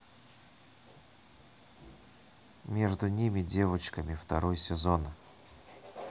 между нами девочками второй сезон